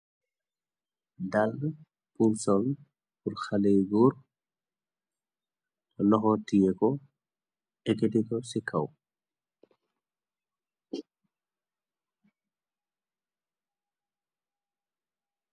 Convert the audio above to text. dall pursol bur xale gur noxotiyé ko ecetiko ci kaw